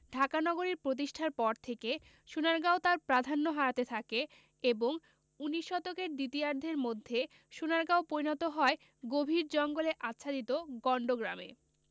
ঢাকা নগরীর প্রতিষ্ঠার পর থেকে সোনারগাঁও তার প্রাধান্য হারাতে থাকে এবং ঊনিশ শতকের দ্বিতীয়ার্ধের মধ্যে সোনারগাঁও পরিণত হয় গভীর জঙ্গলে আচ্ছাদিত গন্ড গ্রামে